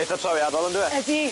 Eitha trawiadol on'd yw e? Ydi.